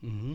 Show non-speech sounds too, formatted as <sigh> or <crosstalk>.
<hesitation> <hesitation>